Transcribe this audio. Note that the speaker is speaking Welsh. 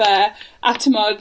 fe, a t'mod...